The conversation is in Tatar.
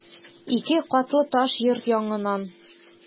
Ике катлы таш йорт яныннан...